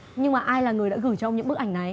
nhưng mà ai là người đã gửi cho ông những bức ảnh này